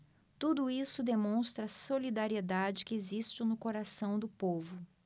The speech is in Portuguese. tudo isso demonstra a solidariedade que existe no coração do povo